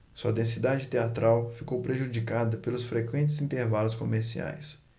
sua densidade teatral ficou prejudicada pelos frequentes intervalos comerciais